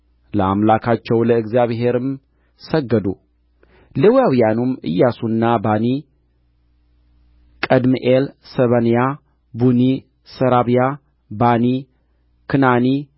ለአምላካቸው ለእግዚአብሔርም ሰገዱ ሌዋውያኑም ኢያሱና ባኒ ቀድምኤል ሰበንያ ቡኒ ሰራብያ ባኒ ክናኒ